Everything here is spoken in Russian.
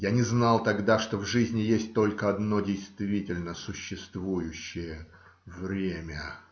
Я не знал тогда, что в жизни есть только одно действительно существующее время.